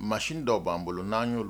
Masin dɔw b'an bolo n'an'o